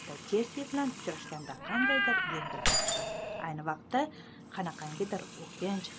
jessi bilan uchrashganda qandaydir o'kinch